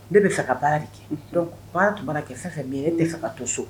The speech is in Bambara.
Ne bɛ fɛ ka baara de kɛ baara tun b'a kɛ fɛn fɛ min ne bɛ fɛ ka to so